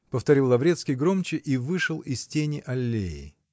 -- повторил Лаврецкий громче и вышел из тени аллеи.